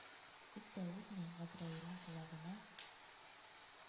Күп тә үтми, газраилнең колагына